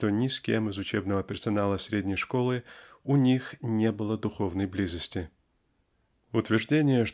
что ни с кем из учебного персонала средней школы у них небыло духовной близости. Утверждение